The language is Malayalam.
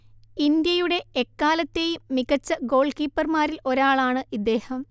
ഇന്ത്യയുടെ എക്കാലത്തെയും മികച്ച ഗോൾ കീപ്പർമാരിൽ ഒരാളാണ് ഇദ്ദേഹം